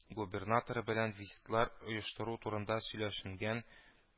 Губернаторы белән визитлар оештыру турында сөйләшенгән